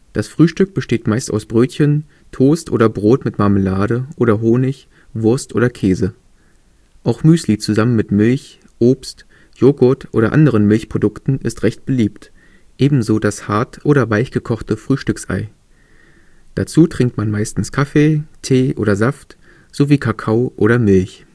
Das Frühstück besteht meist aus Brötchen, Toast oder Brot mit Marmelade oder Honig, Wurst oder Käse. Auch Müsli zusammen mit Milch, Obst, Joghurt oder anderen Milchprodukten ist recht beliebt, ebenso das (hart oder weich gekochte) Frühstücksei. Dazu trinkt man meistens Kaffee, Tee oder Saft sowie Kakao oder Milch